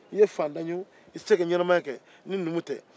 i faantan ye wo i tɛ se ka ɲɛnamaya kɛ ni numu tɛ